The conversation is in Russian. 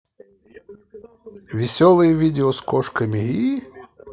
веселые видео с кошками и